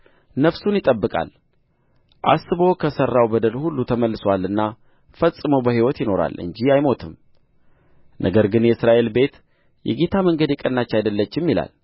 ነፍሱን ይጠብቃል አስቦ ከሠራው በደል ሁሉ ተመልሶአልና ፈጽሞ በሕይወት ይኖራል እንጂ አይሞትም ነገር ግን የእስራኤል ቤት የጌታ መንገድ የቀናች አይደለችም ይላል